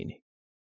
Լինի։